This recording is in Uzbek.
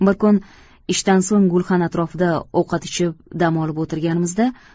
bir kun ishdan so'ng gulxan atrofida ovqat ichib dam olib o'tirganimizda